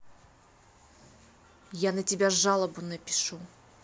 я на тебя жалобу напишу